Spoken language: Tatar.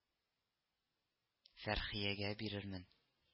Фәрхиягә бирермен